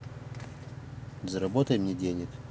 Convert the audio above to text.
заработай мне денег